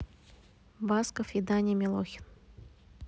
басков и даня милохин